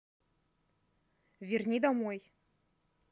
верни домой